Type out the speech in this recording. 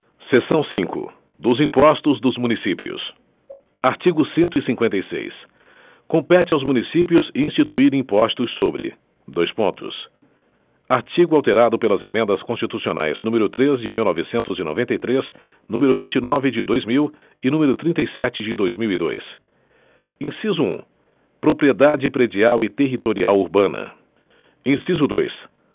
seção cinco dos impostos dos municípios artigo cento e cinquenta e seis compete aos municípios instituir impostos sobre dois pontos artigo alterado pelas emendas constitucionais número três de mil novecentos e noventa e três número vinte e nove de dois mil e número trinta e sete de dois mil e dois inciso um propriedade predial e territorial urbana inciso dois